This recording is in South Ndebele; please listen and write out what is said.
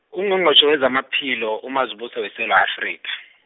Ungqongqotjhe wezamaphilo, uMazibuse weSewula Afrika.